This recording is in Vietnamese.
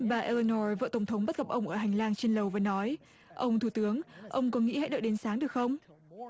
bà e le no vợ tổng thống bắt gặp ông ở hành lang trên lầu và nói ông thủ tướng ông có nghĩ hãy đợi đến sáng được không